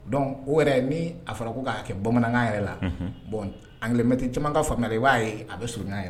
Don o yɛrɛ min a fɔra ko k'a kɛ bamanankan yɛrɛ la bɔn anmɛti caman ka faamuya i b'a ye a bɛ surun yɛrɛ